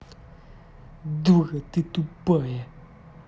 дура ты тупая